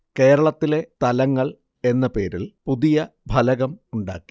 കേരളത്തിലെ സ്ഥലങ്ങള്‍ എന്ന പേരില്‍ പുതിയ ഫലകം ഉണ്ടാക്കി